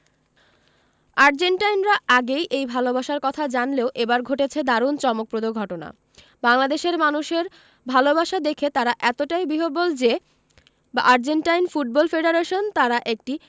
আর্জেন্টাইনরা আগেই এই ভালোবাসার কথা জানলেও এবার ঘটেছে দারুণ চমকপ্রদ ঘটনা বাংলাদেশের মানুষের ভালোবাসা দেখে তারা এতটাই বিহ্বল যে আর্জেন্টাইন ফুটবল ফেডারেশনে তারা একটি